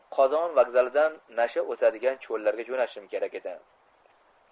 qozon vokzalidan nasha o'sadigan cho'llarga jo'nashim kerak edi